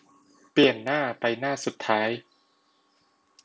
เปลี่ยนหน้าไปหน้าสุดท้าย